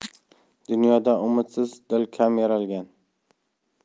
dunyoda umidsiz dil kam yaralgan